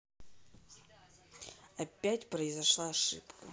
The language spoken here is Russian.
опять произошла ошибка